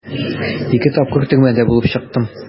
Ике тапкыр төрмәдә булып чыктым.